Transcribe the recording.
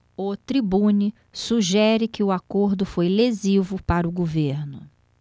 o tribune sugere que o acordo foi lesivo para o governo